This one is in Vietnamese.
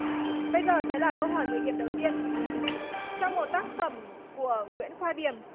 bây giờ sẽ là câu hỏi mười điểm đầu tiên trong một tác phẩm của nguyễn khoa điềm